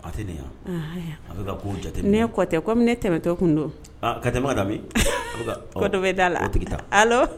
A tɛ yan a bɛ ko jate n'i ye kɔtɛ ne tɛmɛtɔ kun don ka tɛmɛ ma dami dɔ bɛ da la a tigi taa ala